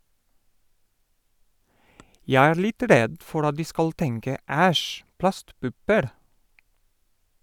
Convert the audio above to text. - Jeg er litt redd for at de skal tenke "æsj, plastpupper".